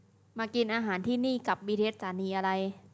มากินอาหารที่นี่กลับบีทีเอสสถานีอะไร